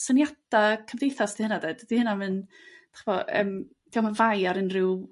syniada' cymdeithas 'di hyna 'de dydi hynna 'im yn 'dach ch'mo' yrm 'di o'm yn fai ar unrhyw